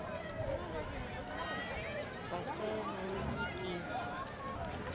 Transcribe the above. бассейн лужники